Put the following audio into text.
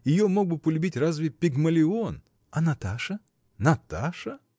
Ее мог бы полюбить разве Пигмалион. — А Наташа? — Наташа!